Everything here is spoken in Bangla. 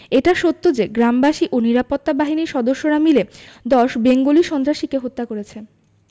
এটা সত্য যে গ্রামবাসী ও নিরাপত্তা বাহিনীর সদস্যরা মিলে ১০ বেঙ্গলি সন্ত্রাসীকে হত্যা করেছে